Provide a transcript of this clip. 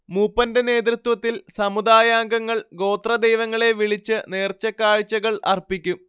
മൂപ്പന്റെ നേതൃത്വത്തിൽ സമുദായാംഗങ്ങൾ ഗോത്രദൈവങ്ങളെ വിളിച്ച് നേർച്ചക്കാഴ്ചകൾ അർപ്പിക്കും